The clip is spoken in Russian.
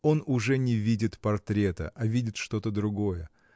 Он уже не видит портрета, а видит что-то другое.